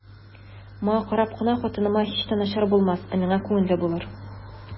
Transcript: Моңа карап кына хатыныма һич тә начар булмас, ә миңа күңелле булыр.